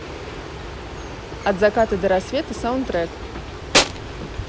от заката до рассвета саундтрек